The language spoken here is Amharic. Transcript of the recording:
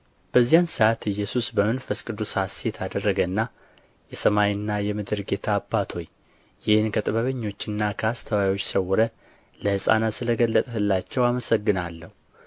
በዚያን ሰዓት ኢየሱስ በመንፈስ ቅዱስ ሐሤት አደረገና የሰማይና የምድር ጌታ አባት ሆይ ይህን ከጥበበኞችና ከአስተዋዮች ሰውረህ ለሕፃናት ስለ ገለጥህላቸው አመሰግናለሁ